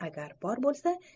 agar bor bo'lsa